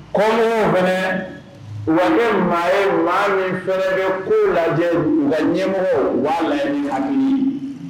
Kɔn hɛrɛ wa ne maa ye mɔgɔ min fɛrɛ bɛ ko lajɛ nka ɲɛmɔgɔ wala la ye